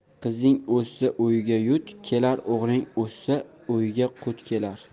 qizing o'ssa uyga yut kelar o'g'ling o'ssa uyga qut kelar